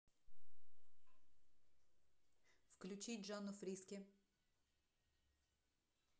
включить жанну фриске